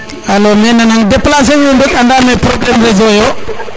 alo maxey nanaŋ déplacer wi andame problème réseau yo